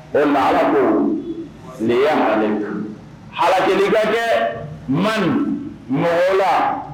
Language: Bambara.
Ee ma ala ko ninya ma ha delibakɛ man mɔgɔw la